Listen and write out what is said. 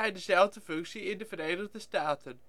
dezelfde functie in de Verenigde Staten